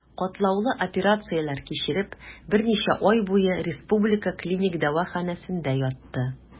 Катлаулы операцияләр кичереп, берничә ай буе Республика клиник дәваханәсендә ятты.